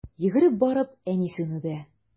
Йөгереп барып әнисен үбә.